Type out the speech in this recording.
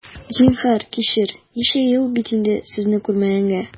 Зинһар, кичер, ничә ел бит инде сезне күрмәгәнгә!